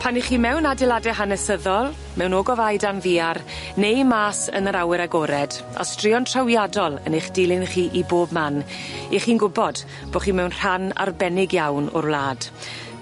Pan 'ych chi mewn adeilade hanesyddol, mewn ogofau dan ddiar neu mas yn yr awyr agored, a straeon trawiadol yn eich dilyn chi i bob man 'ych chi'n gwbod bo' chi mewn rhan arbennig iawn o'r wlad.